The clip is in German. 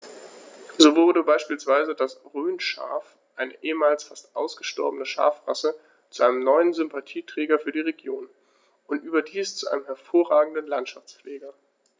So wurde beispielsweise das Rhönschaf, eine ehemals fast ausgestorbene Schafrasse, zu einem neuen Sympathieträger für die Region – und überdies zu einem hervorragenden Landschaftspfleger.